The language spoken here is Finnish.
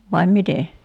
vai miten